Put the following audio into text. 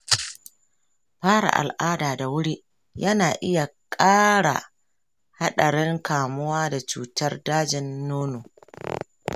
fara al'ada da wuri yana iya kara hadarin kamuwa da cutar dajin nono.